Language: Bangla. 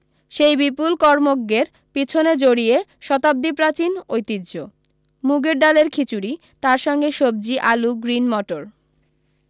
সেই বিপুল কর্ম্যজ্ঞের পিছনে জড়িয়ে শতাব্দীপ্রাচীন ঐতিহ্য মুগের ডালের খিচুড়ি তার সঙ্গে সবজি আলু গ্রিন মটর